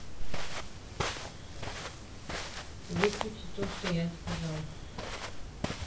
выключи то что я сказал